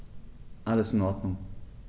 Alles in Ordnung.